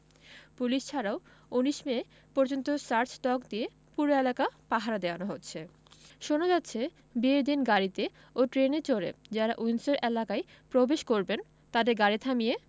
police ছাড়াও ১৯ May পর্যন্ত search dog দিয়ে পুরো এলাকা পাহারা দেওয়ানো হচ্ছে শোনা যাচ্ছে বিয়ের দিন গাড়িতে ও ট্রেনে চড়ে যাঁরা উইন্ডসর এলাকায় প্রবেশ করবেন তাঁদের গাড়ি থামিয়ে